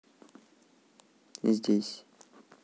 здесь